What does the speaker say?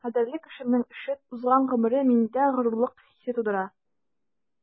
Кадерле кешемнең эше, узган гомере миндә горурлык хисе тудыра.